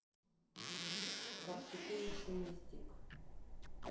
практикующий мистик